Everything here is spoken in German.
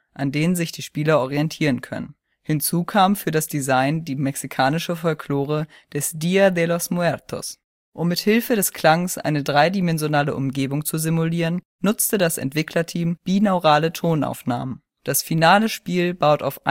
an denen sich die Spieler orientieren können. Hinzu kam für das Design die mexikanische Folklore des Día de los Muertos. Um mit Hilfe des Klangs eine dreidimensionale Umgebung zu simulieren, nutzte das Entwicklerteam binaurale Tonaufnahmen. Das finale Spiel baut auf